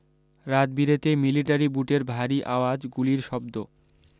রাত বিরেতে মিলিটারি বুটের ভারী আওয়াজ গুলির শব্দ